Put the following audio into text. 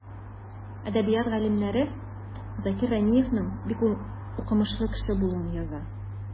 Әдәбият галимнәре Закир Рәмиевнең бик укымышлы кеше булуын яза.